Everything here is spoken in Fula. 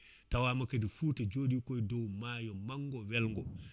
tawa kadi Fouta jooɗi koye dow maayo maggo welgo